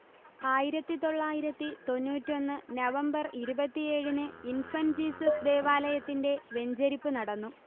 ആയിരത്തി തൊള്ളായിരത്തി തൊണ്ണൂറ്റി ഒന്ന് നവംബർ ഇരുപത്തിയേഴിന് ഇൻഫന്റ് ജീസസ് ദേവാലയത്തിന്റെ വെഞ്ചരിപ്പ് നടന്നു